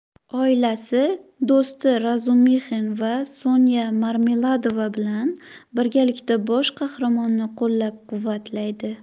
oilasi do'sti razumixin va sonya marmeladova bilan birgalikda bosh qahramonni qo'llab quvvatlaydi